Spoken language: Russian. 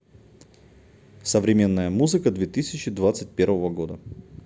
современная музыка две тысячи двадцать первого года